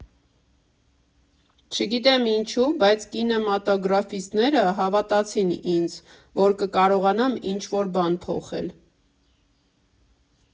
Չգիտեմ՝ ինչու՞, բայց կինեմատոգրաֆիստները հավատացին ինձ, որ կկարողանամ ինչ֊որ բան փոխել։